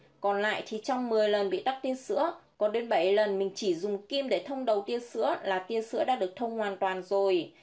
còn lại thì trong lần bị tắc tia sữa có đến lần mình chỉ dùng kim để thông đầu tia sữa là tia sữa đã được thông hoàn toàn rồi